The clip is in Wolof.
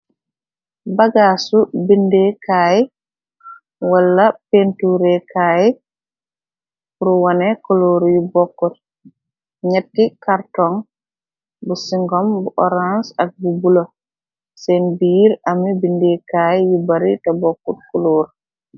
Bagaasu bindekaay, wala penturekaay, pur wane kuloor yu bokkut. ñetti kartong bu singom, bu oraans, ak bu bula, seen biir ami bindeekaay yu bari te bokkut kuloor.